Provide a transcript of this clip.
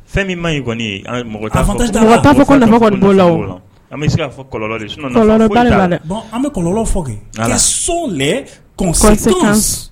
Fɛn min man